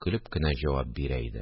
Көлеп кенә җавап бирә иде